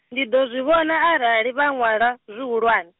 ndi ḓo zwi vhona arali vha ṅwala, zwihulwane.